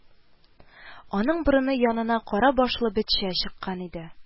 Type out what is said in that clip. Аның борыны янына кара башлы бетчә чыккан иде